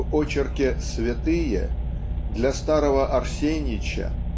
в очерке "Святые" для старого Арсенича